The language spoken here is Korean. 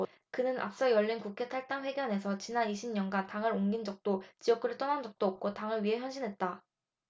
그는 앞서 열린 국회 탈당 회견에서 지난 이십 년간 당을 옮긴 적도 지역구를 떠난 적도 없고 당을 위해 헌신했다